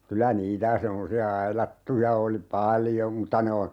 kyllä niitä semmoisia aidattuja oli paljon mutta ne on